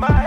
Maa